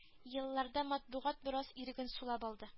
Елларда матбугат бераз иреген сулап алды